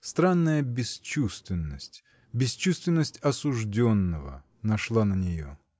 странная бесчувственность, бесчувственность осужденного нашла на нее.